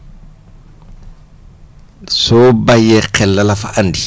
soo bàyyee xel la la fa andi